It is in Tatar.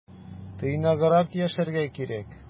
Тыйнаграк яшәргә кирәк.